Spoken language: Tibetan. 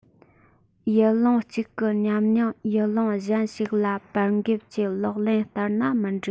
ཡུལ ལུང གཅིག གི ཉམས མྱོང ཡུལ ལུང གཞན ཞིག ལ པར འགེབས ཀྱིས ལག ལེན བསྟར ན མི འགྲིག